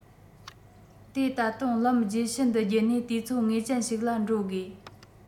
དེ ད དུང ལམ རྗེས ཤུལ འདི བརྒྱུད ནས དུས ཚོད ངེས ཅན ཞིག ལ འགྲོ དགོས